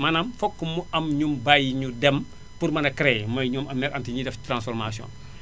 maanaam fokk mu am ñu mu bàyyi ñu dem pour mën a créer mooy ñoom mère Anta ñiy def transformation